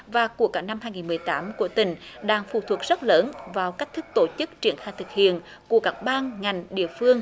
và của cả năm hai nghìn mười tám của tỉnh đang phụ thuộc rất lớn vào cách thức tổ chức triển khai thực hiện của các ban ngành địa phương